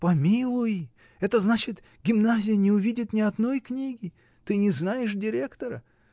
— Помилуй: это значит, гимназия не увидит ни одной книги. Ты не знаешь директора?